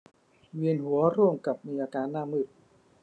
เวียนหัวร่วมกับมีอาการหน้ามืด